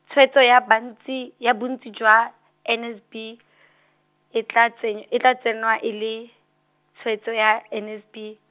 tshwetso ya bantsi, ya bontsi jwa N S B , e tla tseng-, e tla tsenwa e le, tshwetso ya N S B.